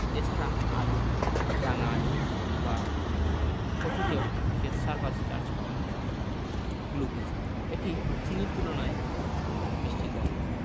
এছাড়া আলু রাঙা আলু বা কচুতেও শ্বেতসার বা স্টার্চ পাওয়া যায় গ্লুকোজ এটি চিনির তুলনায় মিষ্টি কম